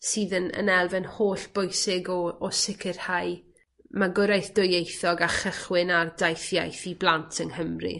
sydd yn yn elfen hollbwysig o o sicirhau magwraeth dwyieithog a chychwyn ar daith iaith i blant yng Nghymru.